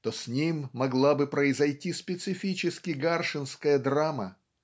то с ним могла бы произойти специфически-гаршинская драма